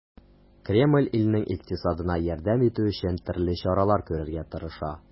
Кремль илнең икътисадына ярдәм итү өчен төрле чаралар күрергә тырыша.